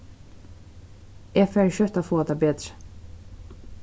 eg fari skjótt at fáa tað betri